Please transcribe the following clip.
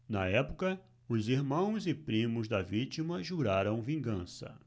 na época os irmãos e primos da vítima juraram vingança